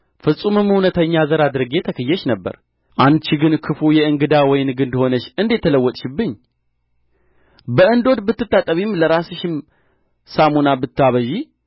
ፍጹምም እውነተኛ ዘር አድርጌ ተክዬሽ ነበር አንቺ ግን ክፉ የእንግዳ ወይን ግንድ ሆነሽ እንዴት ተለወጥሽብኝ በእንዶድ ብትታጠቢም ለራስሽም ሳሙና ብታበዢ